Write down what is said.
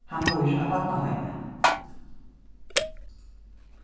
hann býr á barnaheimi